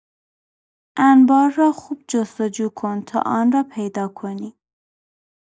انبار را خوب جست‌جو کن تا آن را پیدا کنی